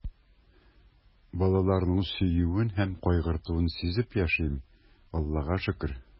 Балаларның сөюен һәм кайгыртуын сизеп яшим, Аллага шөкер.